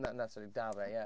Na na, sori 'da fe, ie.